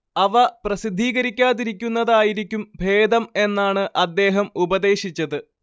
അവ പ്രസിദ്ധീകരിക്കാതിരിക്കുന്നതായിരിക്കും ഭേദം എന്നാണ് അദ്ദേഹം ഉപദേശിച്ചത്